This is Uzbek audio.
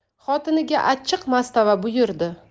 xotiniga achchiq mastava buyurdi